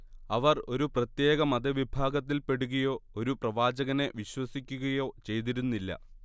അവർ ഒരു പ്രത്യേക മതവിഭാഗത്തിൽപ്പെടുകയോ ഒരു പ്രവാചകനെ വിശ്വസിക്കുകയോ ചെയ്തിരുന്നില്ല